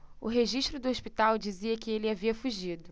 o registro do hospital dizia que ele havia fugido